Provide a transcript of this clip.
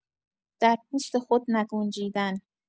در پوست خود نگنجیدن